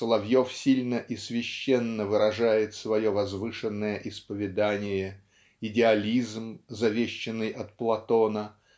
Соловьев сильно и священно выражает свое возвышенное исповедание идеализм завещанный от Платона